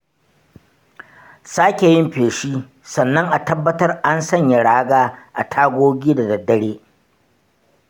sake yin feshi sannan a tabbatar an sanya raga a tagogi da daddare.